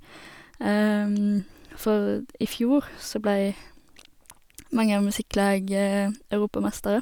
For d i fjor så blei Manger Musikklag Europamestere.